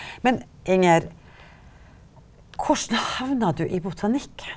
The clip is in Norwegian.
men Inger hvordan havna du i botanikken?